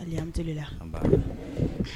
A an tigi ka baara la